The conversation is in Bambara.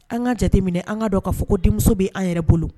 An ka jateminɛ an ka dɔn k'a fɔ ko denmuso bɛ an yɛrɛ bolo.